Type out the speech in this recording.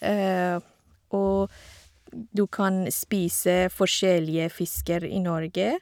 Og du kan spise forskjellige fisker i Norge.